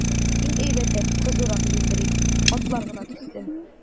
Иң әйбәте, кызурак җилдерик, атлар гына түзсен.